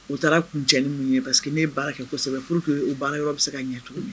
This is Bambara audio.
U taara kun ja min ye pa parce que n' baara kɛsɛbɛ furu u baara yɔrɔ bɛ se ka ɲɛ cogo ye